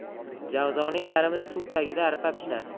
javzoning yarmida suv tagida arpa pishar